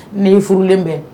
Nin furulen bɛ